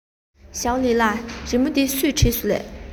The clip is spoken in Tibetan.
ཞོའོ ལིའི ལགས རི མོ འདི སུས བྲིས སོང ངས